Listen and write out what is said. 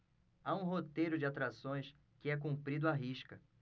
há um roteiro de atrações que é cumprido à risca